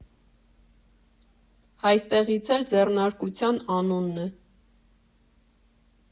Այստեղից էլ ձեռնարկության անունն է։